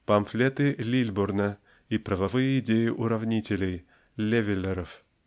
памфлеты Лильборна и правовые идей уравнителей -- "левеллеров".